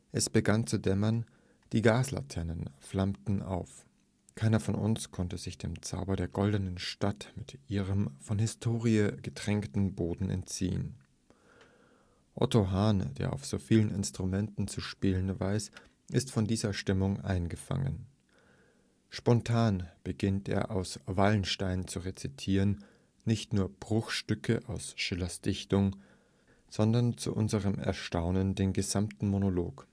Es begann zu dämmern, die Gaslaternen flammten auf. Keiner von uns konnte sich dem Zauber der ' Goldenen Stadt ' mit ihrem von Historie getränkten Boden entziehen. Otto Hahn, der auf so vielen Instrumenten zu spielen weiß, ist von dieser Stimmung eingefangen. Spontan beginnt er aus ' Wallenstein ' zu rezitieren, nicht nur Bruchstücke aus Schillers Dichtung, sondern zu unserem Erstaunen den gesamten Monolog